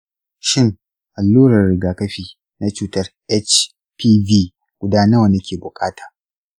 shin alluran riga-kafi na cutar hpv guda nawa nake buƙata?